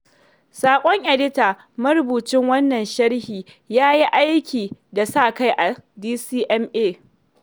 Saƙon Edita: Marubucin wannan sharhi ya yi aikin sa kai a DCMA.